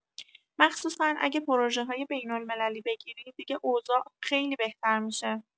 مخصوصا اگه پروژه‌های بین‌المللی بگیری، دیگه اوضاع خیلی بهتر می‌شه.